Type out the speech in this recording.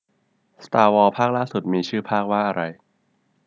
สตาร์วอร์ภาคล่าสุดมีชื่อภาคว่าอะไร